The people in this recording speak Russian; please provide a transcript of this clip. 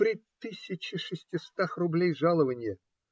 - При тысяче шестистах рублях жалованья!